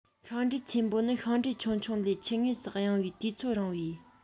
ཤིང འབྲས ཆེན པོ ནི ཤིང འབྲས ཆུང ཆུང ལས ཆུ ངོས སུ གཡེང བའི དུས ཚོད རིང བའི